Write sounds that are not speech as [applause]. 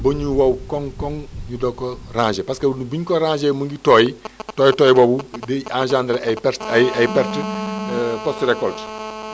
ba ñu wow koŋŋ koŋŋ ñu doog ko rangé parce que bu ñu ko rangé mu ngi tooy [noise] tooy-tooy boobu day engendré ay pertes [noise] ay ay pertes post récolte